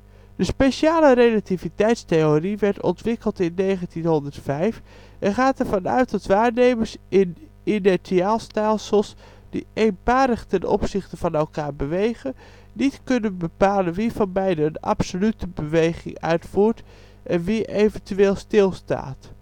speciale relativiteitstheorie werd ontwikkeld in 1905, en gaat ervan uit dat waarnemers in inertiaalstelsels die eenparig ten opzichte van elkaar bewegen, niet kunnen bepalen wie van beiden een " absolute beweging " uitvoert, en wie eventueel stilstaat